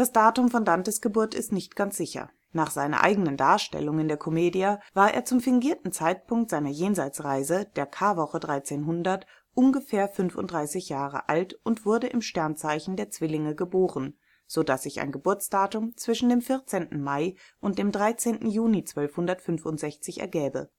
Datum von Dantes Geburt ist nicht ganz sicher. Nach seiner eigenen Darstellung in der Commedia war er zum fingierten Zeitpunkt seiner Jenseitsreise, der Karwoche 1300, ungefähr 35 Jahre alt und wurde im Sternzeichen der Zwillinge geboren, sodass sich ein Geburtsdatum zwischen dem 14. Mai und dem 13. Juni 1265 ergäbe